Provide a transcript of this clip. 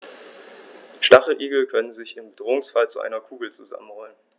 Stacheligel können sich im Bedrohungsfall zu einer Kugel zusammenrollen.